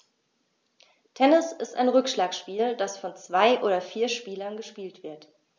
Tennis ist ein Rückschlagspiel, das von zwei oder vier Spielern gespielt wird.